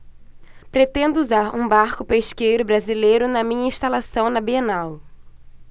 pretendo usar um barco pesqueiro brasileiro na minha instalação na bienal